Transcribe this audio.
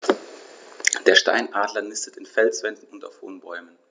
Der Steinadler nistet in Felswänden und auf hohen Bäumen.